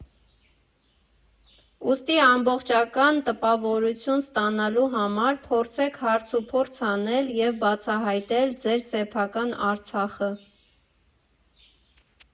Ուստի ամբողջական տպավորություն ստանալու համար փորձեք հարցուփորձ անել և բացահայտել ձեր սեփական Արցախը։